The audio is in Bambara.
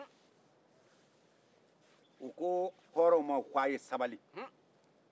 u ko hɔrɔnw ma ko a' ye sabali